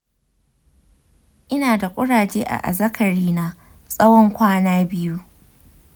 ina da kuraje a azzakarina tsawon kwana biyu.